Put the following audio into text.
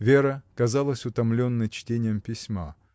Вера казалась утомленной чтением письма.